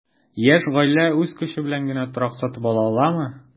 Яшь гаилә үз көче белән генә торак сатып ала аламы?